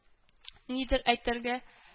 Нидер әйтергә